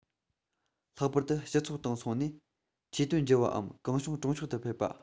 ལྷག པར དུ སྤྱི ཚོགས སྟེང སོང ནས ཆོས དོན བགྱི བའམ གང བྱུང གྲོང ཆོག ཏུ ཕེབས པ